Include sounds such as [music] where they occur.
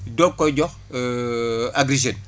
doog koy jox [hesitation] agri Jeunes